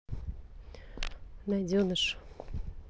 найденыш